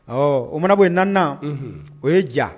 Ɔ o manabɔ na o ye ja